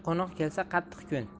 qo'noq kelsa qattiq kun